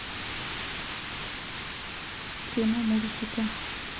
кино мультики